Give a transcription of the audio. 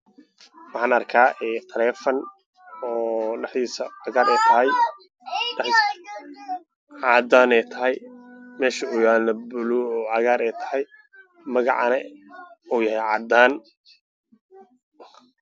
Gashaan waxaa kuus dhigaan boor boorka ku sawiran taleefan iyo qoraal qoraalka waa caddaan waxaan ku qoran jihaad shir